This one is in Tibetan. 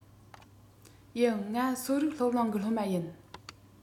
ཡིན ང གསོ རིག སློབ གླིང གི སློབ མ ཡིན